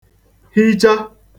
hicha